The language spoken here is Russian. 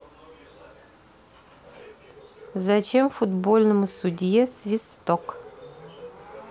зачем футбольному судье свисток